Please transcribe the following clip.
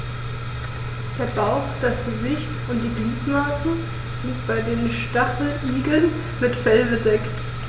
Der Bauch, das Gesicht und die Gliedmaßen sind bei den Stacheligeln mit Fell bedeckt.